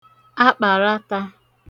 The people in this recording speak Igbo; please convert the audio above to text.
akpàratā